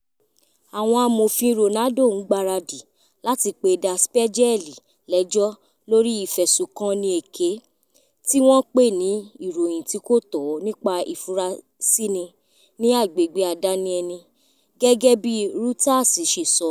Àwọn àmòfin Ronaldo ń gbaradì láti pe Der Spiegel lẹ́jọ́ lórí ìfẹ̀sùnkanni èké, tí wọ́n pè ní “Ìròyìn tí kò tọ́ nípa ìfurasíni ní agbègbè àdani ẹni”. Gẹ́gẹ́bí Reuters ṣe sọ.